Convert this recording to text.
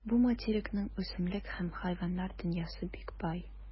Бу материкның үсемлек һәм хайваннар дөньясы бик бай.